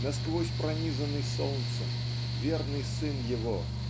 насквозь пронизанный солнцем верный сын его